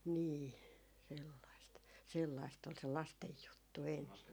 niin sellaista sellaista oli se lasten juttu ennen